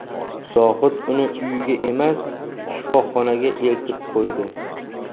zohid uni uyiga emas shifoxonaga eltib qo'ydi